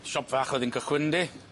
Siop fach o'dd 'i'n cychwyn yndi?